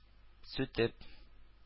Сүтеп